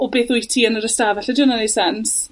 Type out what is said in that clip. o beth wyt ti yn yr ystafell. Ydi wnna'n neud sense?